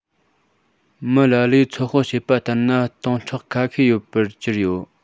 མི ལ ལས ཚོད དཔག བྱས པ ལྟར ན སྟོང ཕྲག ཁ ཤས ཡོད པར གྱུར ཡོད